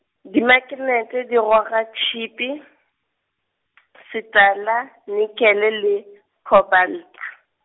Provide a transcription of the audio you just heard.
dimaknete di goga tshipi , setala, nikhele le, khobal- .